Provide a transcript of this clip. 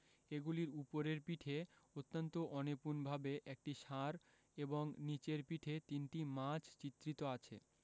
এগুলির উপরের পিঠে অত্যন্ত অনিপুণভাবে একটি ষাঁড় এবং নিচের পিঠে তিনটি মাছ চিত্রিত আছে